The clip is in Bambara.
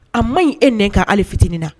A man ɲi e nɛn kan hali fitinin na.